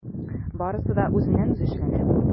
Барысы да үзеннән-үзе эшләнә.